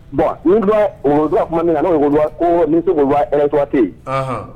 Bɔn n o tuma min na sewa kura tɛ yen